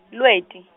Lweti.